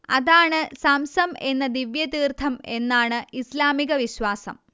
അതാണ് സംസം എന്ന ദിവ്യതീർത്ഥം എന്നാണ് ഇസ്ലാമിക വിശ്വാസം